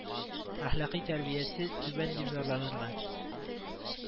Әхлакый тәрбиясе түбән дип зарланырга